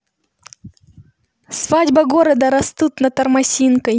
свадьба города растут на тормосинской